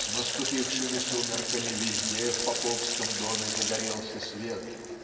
"с наступившими сумерками везде в поповском доме загорелся свет